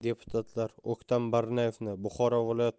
deputatlar o'ktam barnoyevni buxoro viloyati